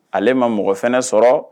Ale ma mɔgɔ fana sɔrɔ